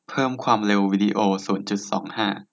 เพิ่มความเร็ววีดีโอศูนย์จุดสองห้า